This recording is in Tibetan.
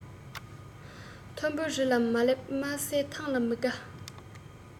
མཐོན པོའི རི ལ མ སླེབས དམའ ས ཐང ལ མི དགའ